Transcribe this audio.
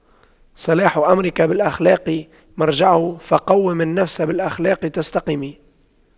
صلاح أمرك بالأخلاق مرجعه فَقَوِّم النفس بالأخلاق تستقم